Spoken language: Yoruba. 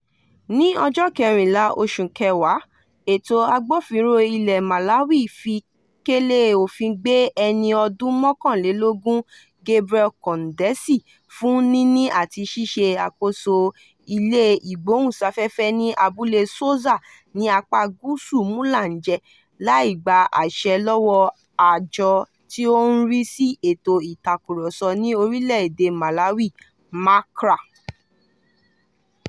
Ní ọjọ́ kẹrìnlá oṣù kẹwàá ètò agbófinró ilẹ̀ Malawi fi kélé òfin gbé ẹni ọdún mọ́kànlélógún Gabriel Kondesi fún níní àti ṣíṣe àkóso ilé ìgbóhùn sáfẹ́fẹ́ ní abúlé Soza ní apá gúúsù Mulanje, láì gba àṣẹ lọ́wọ́ àjọ tí ó ń rí sí ètò ìtakùrọsọ ní orílẹ̀ èdè Malawi (MACRA)